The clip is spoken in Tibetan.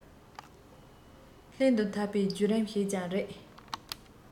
ལྷན དུ འཐབ པའི བརྒྱུད རིམ ཞིག ཀྱང རེད